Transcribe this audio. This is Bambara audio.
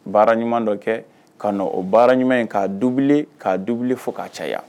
Baara ɲuman dɔ kɛ ka na o baara ɲuman in doublé ka doublé fo k'a caaya.